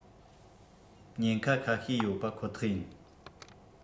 ཉེན ཁ ཁ ཤས ཡོད པ ཁོ ཐག ཡིན